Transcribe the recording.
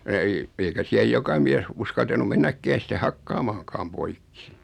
ei eikä siihen joka mies uskaltanut mennäkään sitten hakkaamaankaan poikki